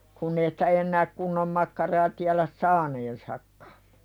kun ei sitä enää kunnon makkaraa tiedä saaneensakaan